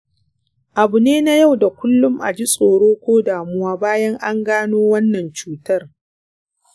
abu ne na yau da kullum a ji tsoro ko damuwa bayan an gano wannan cutar.